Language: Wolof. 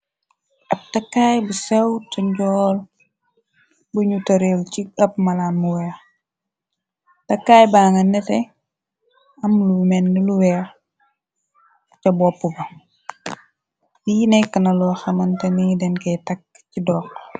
ab takaay bu sew ta njool buñu toréel ci ab mala mu weex takaay ba nga nete am lu menn lu weex ca bopp ba li nekkna lo xamantani denkay takk ci dox